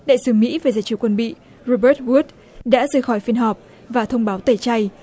đại sứ mỹ về giải trừ quân bị rô bớt guốt đã rời khỏi phiên họp và thông báo tẩy chay